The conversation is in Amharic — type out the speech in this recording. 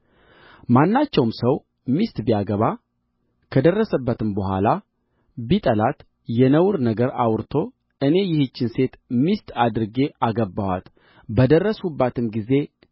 ማናቸውም ሰው ሚስት ቢያገባ ከደረሰባትም በኋላ ቢጠላት የነውር ነገር አውርቶ እኔ ይህችን ሴት ሚስት አድርጌ አገባኋት በደርስሁባትም ጊዜ